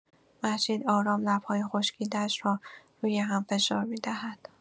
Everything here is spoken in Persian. مهشید آرام لب‌های خشکیده‌اش را روی‌هم فشار می‌دهد.